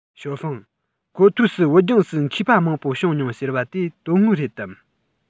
ཞའོ ཧྥུང གོ ཐོས སུ བོད ལྗོངས སུ མཁས པ མང པོ བྱུང མྱོང ཟེར བ དེ དོན དངོས རེད དམ